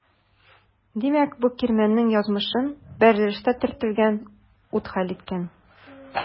Димәк бу кирмәннең язмышын бәрелештә төртелгән ут хәл иткән.